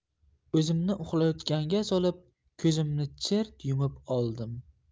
o'zimni uxlayotganga solib ko'zimni chirt yumib oldim